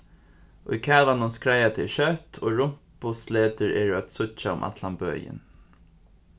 í kavanum skreiða tey skjótt og rumpusletur eru at síggja um allan bøin